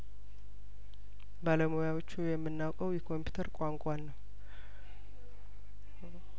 ባለሙያዎቹ የምናውቀው የኮምፒውተር ቋንቋን ነው